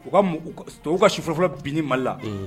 U ka mun tubabu ka si fɔlɔ fɔlɔ bin ni Mali la.